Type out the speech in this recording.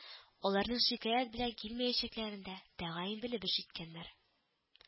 Аларның шикаять белән килмәячәкләрен дә тәгаен белеп эш иткәннәр